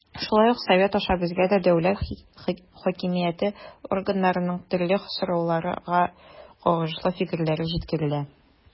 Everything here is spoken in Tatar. Шулай ук Совет аша безгә дә дәүләт хакимияте органнарының төрле сорауларга кагылышлы фикерләре җиткерелә.